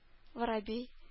Воробей